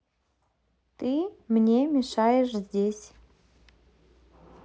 ты мне мешаешь здесь